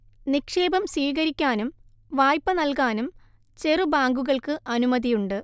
നിക്ഷേപം സീകരിക്കാനും വായ്പ നൽക്കാനും ചെറു ബാങ്കുകൾക്ക് അനുമതിയുണ്ട്